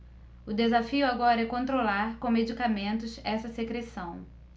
o desafio agora é controlar com medicamentos essa secreção